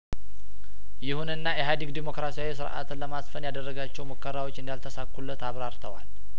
ይሁንና ኢህ አድግ ዴሞክራሲያዊ ስርአትን ለማስፈን ያደረጋቸው ሙከራዎች እንዳልተሳኩለት አብራርተዋል